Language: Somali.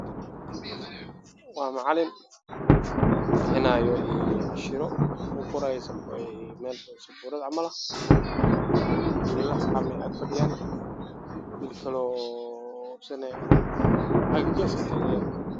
Waa nin sabuurad wax ku qoraayo